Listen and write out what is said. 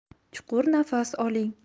chuqur nafas oling